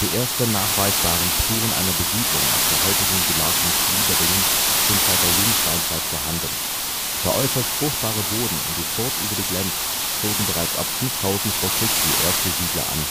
Die ersten nachweisbaren Spuren einer Besiedelung auf der heutigen Gemarkung Schwieberdingen sind seit der Jungsteinzeit vorhanden. Der äußerst fruchtbare Boden und die Furt über die Glems zogen bereits ab 5000 v. Chr. erste Siedler an.